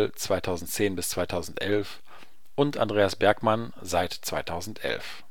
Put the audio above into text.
2010 bis 2011 Andreas Bergmann - seit 2011